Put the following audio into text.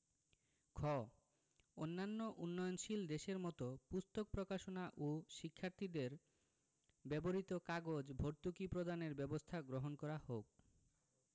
খ অন্যান্য উন্নয়নশীল দেশের মত পুস্তক প্রকাশনা ও শিক্ষার্থীদের ব্যবহৃত কাগজ ভর্তুকি প্রদানের ব্যবস্থা গ্রহণ করা হোক